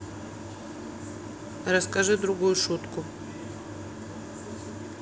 расскажи другую шутку